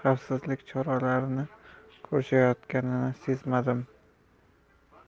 xavfsizlik choralarini ko'rishayotganini sezmadim